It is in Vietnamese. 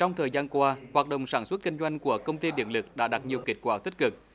trong thời gian qua hoạt động sản xuất kinh doanh của công ty điện lực đã đạt nhiều kệt quả tích cực